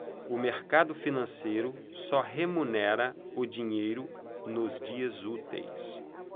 o mercado financeiro só remunera o dinheiro nos dias úteis